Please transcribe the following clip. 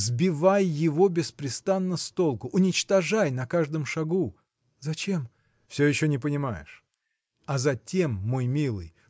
Сбивай его беспрестанно с толку, уничтожай на каждом шагу. – Зачем? – Все еще не понимаешь! А затем мой милый